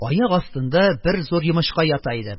Аяк астында бер зур йомычка ята иде,